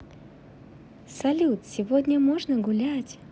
салют сегодня можно гулять